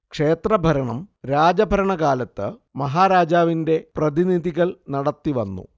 ക്ഷേത്രഭരണം രാജഭരണകാലത്ത് മഹാരാജാവിന്റെ പ്രതിനിധികൾ നടത്തിവന്നു